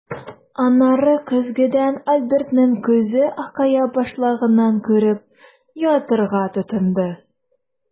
Аннары көзгедән Альбертның күзе акая башлаганын күреп, юатырга тотынды.